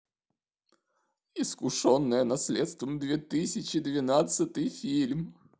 искушение наследством две тысячи девятнадцатый фильм